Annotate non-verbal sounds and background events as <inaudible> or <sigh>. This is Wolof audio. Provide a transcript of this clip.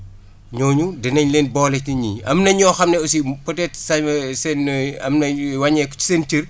ñooñu dinañ leen boole ci ñii am na ñoo xam ne aussi peut être <hesitation> seen am nañu wàññeeku si seen cër